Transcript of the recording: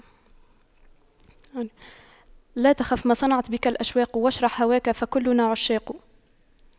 لا تخف ما صنعت بك الأشواق واشرح هواك فكلنا عشاق